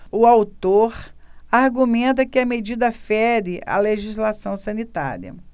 o autor argumenta que a medida fere a legislação sanitária